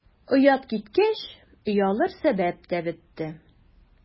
Оят киткәч, оялыр сәбәп тә бетте.